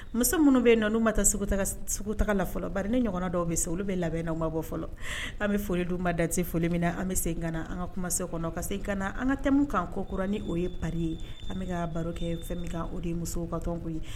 Muso minnu bɛ yen n'u ma taa sugu la fɔlɔ, bari ne ɲɔgɔn dɔw bɛ so olu bɛ labɛn na u ma bɔ fɔlɔ an bɛ foli d'u ma dan tɛ foli min na , an bɛ segin ka na an ka kuma so kɔnɔ ka segin ka na an ka theme kan kɔ kura ni o ye pari ye an bɛ ka barokɛ fɛn min kan o de ye musow ka tɔn ko ye!